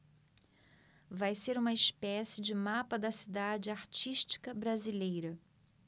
vai ser uma espécie de mapa da cidade artística brasileira